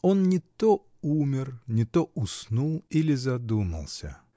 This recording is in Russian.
Он не то умер, не то уснул или задумался.